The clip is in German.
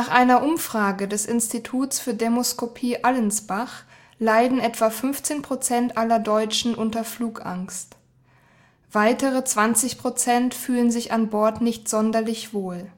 einer Umfrage des Instituts für Demoskopie Allensbach leiden etwa 15 % aller Deutschen unter Flugangst. Weitere 20 % fühlen sich an Bord nicht sonderlich wohl